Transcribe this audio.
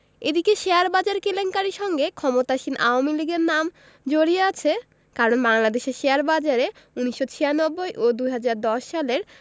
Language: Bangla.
এদিকে শেয়ারবাজার কেলেঙ্কারির সঙ্গে ক্ষমতাসীন আওয়ামী লীগের নাম জড়িয়ে আছে কারণ বাংলাদেশের শেয়ারবাজারে ১৯৯৬ ও ২০১০ সালের